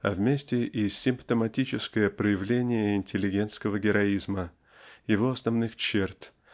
а вместе и симптоматическое проявление интеллигентского героизма его основных черт